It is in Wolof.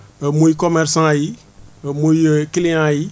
muy commerçant yi muy clients yi